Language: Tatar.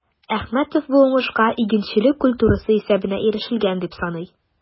Әхмәтов бу уңышка игенчелек культурасы исәбенә ирешелгән дип саный.